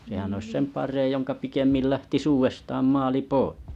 sehän olisi sen parempi jonka pikemmin lähtisi uudestaan maali pois